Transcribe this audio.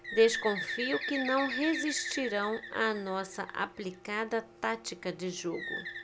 desconfio que não resistirão à nossa aplicada tática de jogo